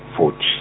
Forty.